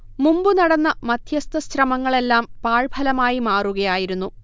മുമ്പ് നടന്ന മധ്യസ്ഥ ശ്രമങ്ങളെല്ലാം പാഴ്ഫലമായി മാറുകയായിരുന്നു